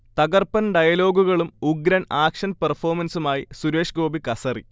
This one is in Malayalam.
തകർപ്പൻ ഡയലോഗുകളും ഉഗ്രൻ ആക്ഷൻ പെർഫോമൻസുമായി സുരേഷ്ഗോപി കസറി